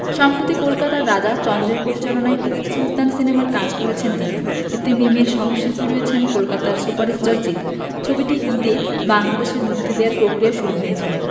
সম্প্রতি কলকাতায় রাজা চন্দের পরিচালনায় সুলতান সিনেমার কাজ করেছেন তিনি এতে মিমের সহশিল্পী রয়েছেন কলকাতার সুপারস্টার জিৎ ছবিটি ঈদে বাংলাদেশে মুক্তি দেয়ার প্রক্রিয়াও শুরু হয়েছিল